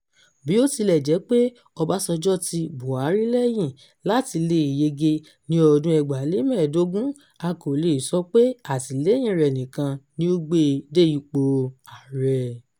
Bí ó ti lẹ̀ jé pé Ọbásanjọ́ ti Buhari lẹ́yìn láti leè yege ní ọdún 2015, a kò leè sọ pé àtìlẹyìn rẹ̀ nìkan ni ó gbé e dé ipò Ààrẹ.